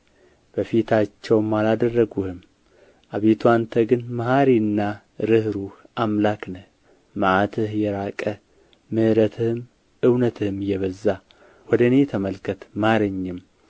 በፊታቸውም አላደረጉህም አቤቱ አንተ ግን መሓሪና ርኅሩኅ አምላክ ነህ መዓትህ የራቀ ምሕረትህም እውነትህም የበዛ ወደ እኔ ተመልከት ማረኝም